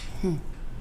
H